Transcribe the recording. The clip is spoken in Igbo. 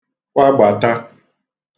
kwagbata